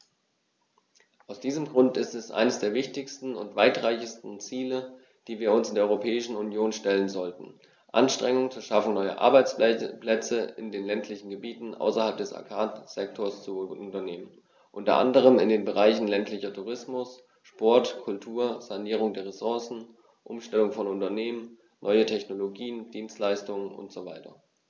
Aus diesem Grund ist es eines der wichtigsten und weitreichendsten Ziele, die wir uns in der Europäischen Union stellen sollten, Anstrengungen zur Schaffung neuer Arbeitsplätze in den ländlichen Gebieten außerhalb des Agrarsektors zu unternehmen, unter anderem in den Bereichen ländlicher Tourismus, Sport, Kultur, Sanierung der Ressourcen, Umstellung von Unternehmen, neue Technologien, Dienstleistungen usw.